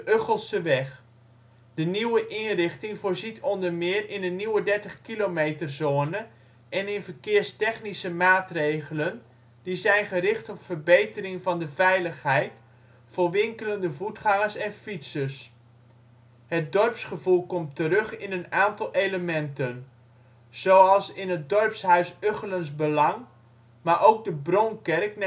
Ugchelseweg. De nieuwe inrichting voorziet onder meer in een nieuwe 30-kilometerzone en in verkeerstechnische maatregelen die zijn gericht op de verbetering van de veiligheid voor (winkelende) voetgangers en fietsers. Het ' dorpsgevoel ' komt terug in een aantal elementen. Zoals in het dorpshuis Ugchelens Belang, maar ook de Bronkerk